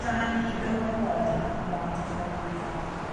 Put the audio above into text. rannu gormod am blant a phobl ifanc